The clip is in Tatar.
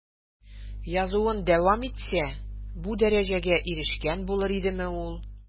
Язуын дәвам итсә, бу дәрәҗәгә ирешкән булыр идеме ул?